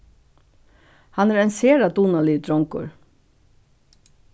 hann er ein sera dugnaligur drongur